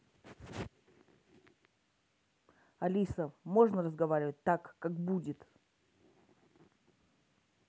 алиса можно разговаривать так как будет